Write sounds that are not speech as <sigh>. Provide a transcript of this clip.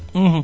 <hesitation> <hesitation>